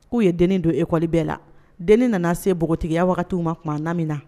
K'u ye den don ekɔli bɛɛ la den nana se npogotigiya wagati ma tuma a na minna